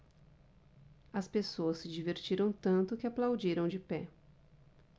as pessoas se divertiram tanto que aplaudiram de pé